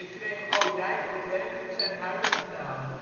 kreeg Odijk ook werkelijk zijn huidige naam